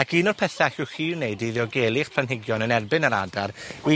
ac un o'r pethe allwch chi 'i wneud i ddiogelu'ch planhigion yn erbyn yr adar, yw i